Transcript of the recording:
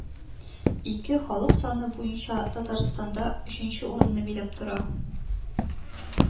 Ике халык саны буенча татарстанда өченче урынны биләп тора